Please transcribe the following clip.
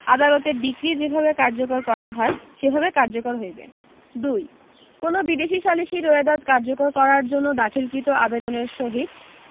আদালতের ডিক্রি যেভাবে কার্যকর করা হয় সেভাবে কার্যকর হইবে ২ কোন বিদেশী সালিসী রোয়েদাদ কার্যকর করার জন্য দাখিলকৃত আবেদনের সহিত